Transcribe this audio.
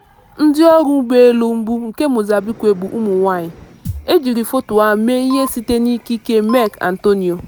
Ndịọrụ ụgbọelu mbụ nke Mozambique bụ ụmụnwaanyị | E jiri foto a mee ihe site n'ikike Meck Antonio.